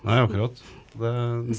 nei akkurat så det.